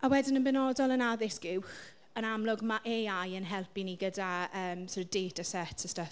A wedyn yn benodol yn addysg uwch yn amlwg ma' AI yn helpu ni gyda yym sort of data sets a stuff.